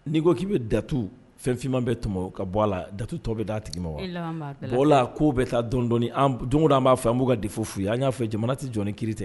Ni ko ki bɛ datu fɛnfinma bɛ tɔmɔ ka bɔ a la , datu tɔ bɛ da tigima . Bon o de la ko bɛ taa dɔɔni dɔɔni don ko don an ba fɔ yan , an bu ka défaut fu ye . An ya fu ye ko jamana tɛ jɔn ni kiiri tɛ